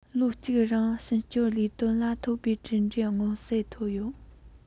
ལོ གཅིག རིང ཤིན སྐྱོར ལས དོན ལ ཐོབ པའི གྲུབ འབྲས མངོན གསལ ཐོབ ཡོད